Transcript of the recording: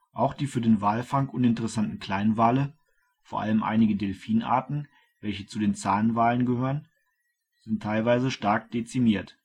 Auch die für den Walfang uninteressanten Kleinwale – vor allem einige Delfinarten, welche zu den Zahnwalen gehören – sind teilweise stark dezimiert